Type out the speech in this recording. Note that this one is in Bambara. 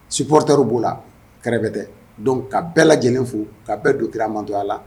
Suptar b'o la kɛrɛ tɛ don ka bɛɛ la lajɛlenlen fo ka bɛɛ don kira mantoya la